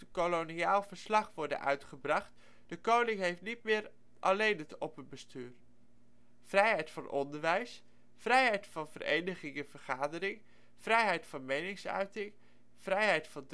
koloniaal verslag worden uitgebracht, de koning heeft niet meer alleen het opperbestuur. vrijheid van onderwijs vrijheid van vereniging en vergadering vrijheid van meningsuiting vrijheid van